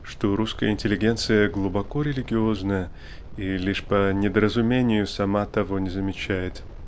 что русская интеллигенция глубоко религиозна и лишь по недоразумению сама того не замечает